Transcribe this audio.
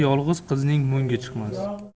yolg'iz qizning mungi chiqmas